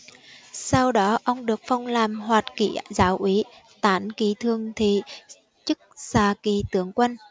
sau đó ông được phong làm hoạt kị giáo úy tán kị thường thị chức xa kị tướng quân